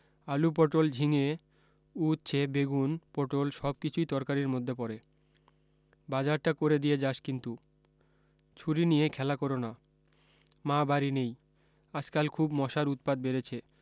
আলু পটল ঝিঙে উউচ্ছে বেগুন পটল সব কিছুই তর্কারির মধ্যে পরে বাজারটা করে দিয়ে যাস কিন্তু ছুরি নিয়ে খেলা করো না মা বাড়ী নেই আজকাল খুব মশার উৎপাত বেড়েছে